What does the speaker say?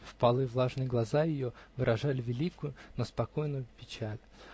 впалые влажные глаза ее выражали великую, но спокойную печаль.